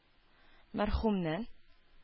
Мәрхүмнән